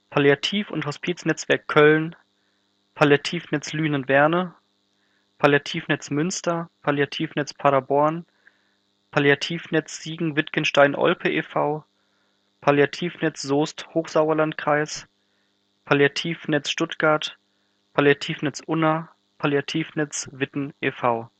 Palliativ - und Hospiznetzwerk Köln Palliativnetz Lünen-Werne Palliativnetz Münster Palliativnetz Paderborn PalliativNETZ Siegen-Wittgenstein-Olpe e.V. Palliativnetz Soest - Hochsauerlandkreis Palliativ Netz Stuttgart Palliativnetz Unna Palliativnetz-Witten e.V.